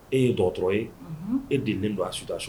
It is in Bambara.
E ye dɔrɔn ye e den den don a sida so